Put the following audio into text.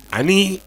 Ani